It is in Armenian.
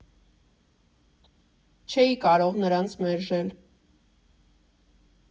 Չէի կարող նրանց մերժել։